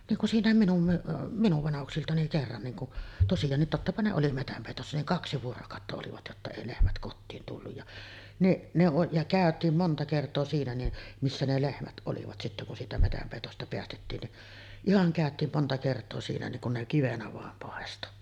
niin kun siinäkin minun - minun vanhuksilta niin kerran niin kuin tosiaankin tottapa ne oli metsänpeitossa niin kaksi vuorokautta olivat jotta ei lehmät kotiin tullut ja niin ne on ja käytiin monta kertaa siinä niin missä ne lehmät olivat sitten kun siitä metsänpeitosta päästettiin niin ihan käytiin monta kertaa siinä niin kun ne kivenä vain paistoi